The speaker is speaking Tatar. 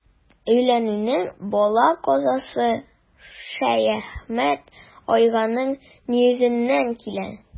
Өйләнүнең бәла-казасы Шәяхмәт агайның нигезеннән килә.